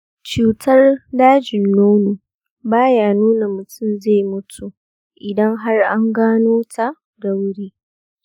cutar dajin nono baya nuna mutum zi mutu idan har an gano ta da wuri.